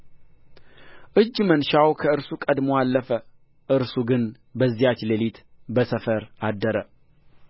እጅ መንሻው ከእርሱ ቀድሞ አለፈ እርሱ ግን በዚያች ሌሊት በሰፈር አደረ